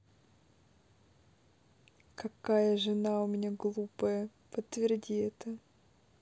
какая жена у меня глупая подтверди это